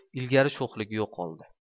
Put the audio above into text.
ilgarigi sho'xligi yo'qoldi